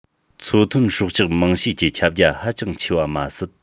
མཚོ ཐོན སྲོག ཆགས མང ཤས ཀྱི ཁྱབ རྒྱ ཧ ཅང ཆེ བ མ ཟད